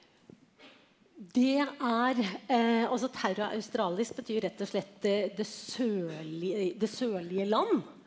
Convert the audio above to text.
det er altså Terra Australis betyr rett og slett det det det sørlige land.